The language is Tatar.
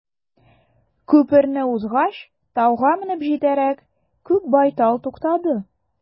Күперне узгач, тауга менеп җитәрәк, күк байтал туктады.